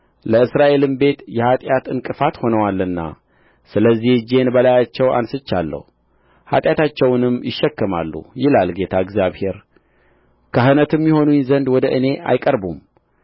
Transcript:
ለእስራኤልም ቤት የኃጢአት ዕንቅፋት ሆነዋልና ስለዚህ እጄን በላያቸው አንሥቻለሁ ኃጢአታቸውንም ይሸከማሉ ይላል ጌታ እግዚአብሔር ካህናትም ይሆኑኝ ዘንድ ወደ እኔ አይቀርቡም